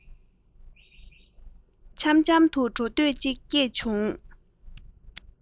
འཆམ འཆམ དུ འགྲོ འདོད ཅིག སྐྱེས བྱུང